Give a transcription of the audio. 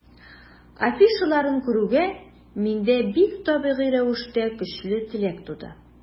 Афишаларын күрүгә, миндә бик табигый рәвештә көчле теләк туды.